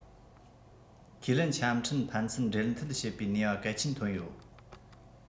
ཁས ལེན ཆ འཕྲིན ཕན ཚུན འབྲེལ མཐུད བྱེད པའི ནུས པ གལ ཆེན ཐོན ཡོད